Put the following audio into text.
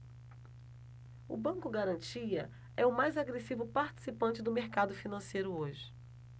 o banco garantia é o mais agressivo participante do mercado financeiro hoje